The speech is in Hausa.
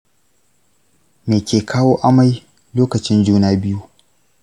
me ke kawo amai lokacin juna biyu?